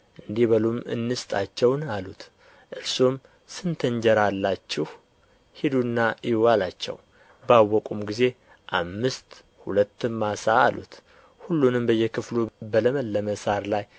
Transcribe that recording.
እንዲበሉም እንስጣቸውን አሉት እርሱም ስንት እንጀራ አላችሁ ሂዱና እዩ አላቸው ባወቁም ጊዜ አምስት ሁለትም ዓሣ አሉት ሁሉንም በየክፍሉ በለመለመ ሣር ላይ